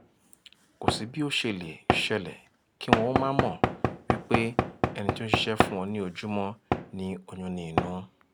Kò sí bí ó ṣe lè ṣẹlẹ̀ kí wọn ó máà mọ̀ wípé ẹni tí ó ń ṣiṣẹ́ fún wọn ní ojúmọ́ ní oyún ní inú.